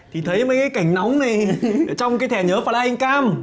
thì thấy mấy cái cảnh nóng này ì hì ở trong cái thẻ nhớ phờ lai inh cam